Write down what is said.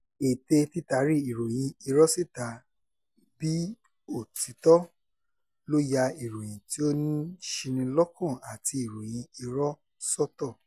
Ète títari ìròyìn irọ́ síta bí òtítọ́, ló ya ìròyìn tí ó ń ṣini lọ́kàn àti ìròyìn irọ́ sọ́tọ́.